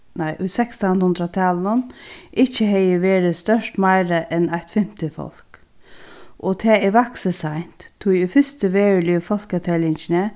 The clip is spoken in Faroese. nei í sekstanhundraðtalinum ikki hevði verið stórt meira enn eitt fimti fólk og tað er vaksið seint tí í fyrstu veruligu fólkateljingini